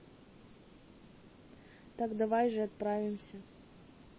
так давайте же отправимся